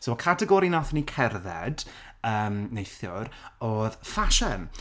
so y categori wnaethon ni cerdded yym neithiwr oedd fashion